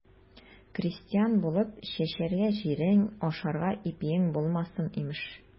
Крестьян булып, чәчәргә җирең, ашарга ипиең булмасын, имеш.